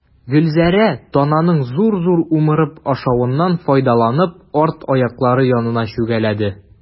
Гөлзәрә, тананың зур-зур умырып ашавыннан файдаланып, арт аяклары янына чүгәләде.